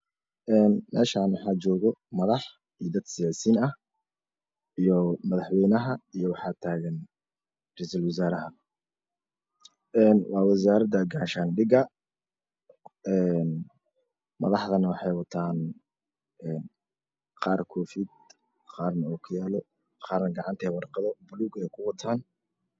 Meshaan waxaa joga madax iyo dad siyaasiin ah iyo madaxweynaha rasilwazaaraha waa wasarada gashaan dhiga madaxdana wxii wataan qar koofiyad qaarna okiyaalo qaarne gacantii 2arqada buulug ah ku wataan